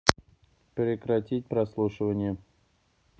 прекратить прослушивание